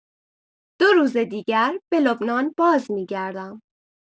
دو روز دیگر به لبنان بازمی‌گردم.